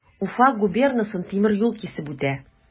Уфа губернасын тимер юл кисеп үтә.